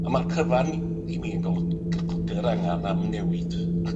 A ma'r cyfan i mi yn golyg- golygu'r angen am newid